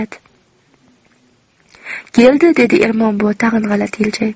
keldi dedi ermon buva tag'in g'alati iljayib